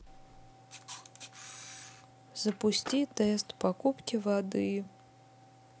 запусти тест покупки воды